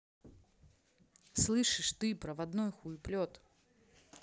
слышишь ты проводной хуеплет